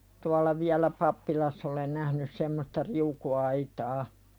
tuolla vielä pappilassa olen nähnyt semmoista riukuaitaa